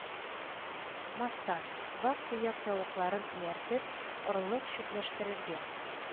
Мастан, вак-төяк тавыкларын ияртеп, орлык чүпләштерергә